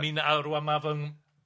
A min- a rŵan mae fy ng-.